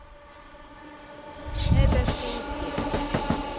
это шутки